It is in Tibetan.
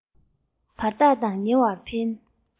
བར ཐག ཀྱང ཉེ བར འཐེན